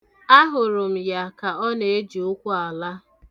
Ahụrụ m ya ka ọ na-eji ukwu ala.